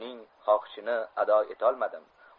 uning xohishini ado etolmadim